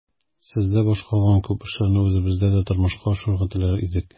Сездә башкарылган күп эшләрне үзебездә дә тормышка ашырырга теләр идек.